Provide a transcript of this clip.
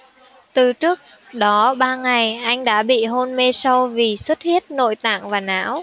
từ trước đó ba ngày anh đã bị hôn mê sâu vì xuất huyết nội tạng và não